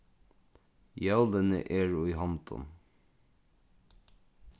jólini eru í hondum